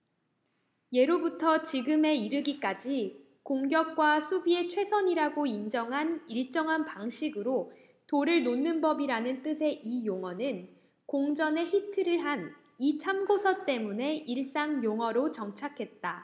예로부터 지금에 이르기까지 공격과 수비에 최선이라고 인정한 일정한 방식으로 돌을 놓는 법이라는 뜻의 이 용어는 공전의 히트를 한 이 참고서 때문에 일상용어로 정착했다